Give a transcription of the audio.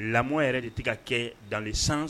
Lamɔ yɛrɛ de tɛ ka kɛ da le san